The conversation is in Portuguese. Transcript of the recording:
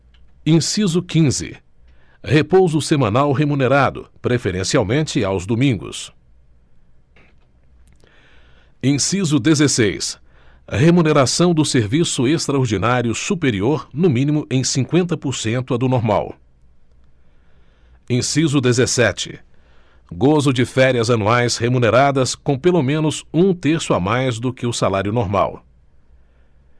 inciso quinze repouso semanal remunerado preferencialmente aos domingos inciso dezesseis remuneração do serviço extraordinário superior no mínimo em cinqüenta por cento à do normal inciso dezessete gozo de férias anuais remuneradas com pelo menos um terço a mais do que o salário normal